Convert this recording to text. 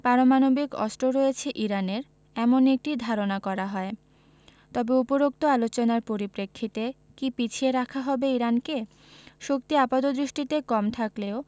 পারমাণবিক অস্ত্র রয়েছে ইরানের এমন একটি ধারণা করা হয় তবে উপরোক্ত আলোচনার পরিপ্রেক্ষিতে কি পিছিয়ে রাখা হবে ইরানকে শক্তি আপাতদৃষ্টিতে কম থাকলেও